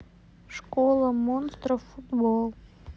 школа монстров футбол